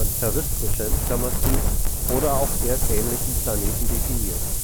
terrestrischen) oder auch erdähnlichen Planeten definiert